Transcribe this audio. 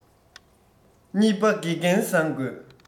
གཉིས པ དགེ རྒན བཟང དགོས